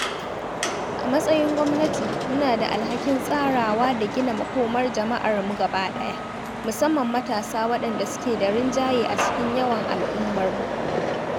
A matsayin gwamnati, muna da alhakin tsarawa da gina makomar jama'armu gabaɗaya, musamman matasa, waɗanda suke da rinjaye a cikin yawan jama'armu.